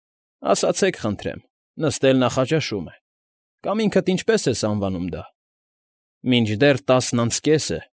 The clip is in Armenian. Ասացեք խնդրեմ, նստել նախաճաշում է, կամ, ինքդ ինչպես ես անվանում դա, մինչդեռ տասն անց կես է։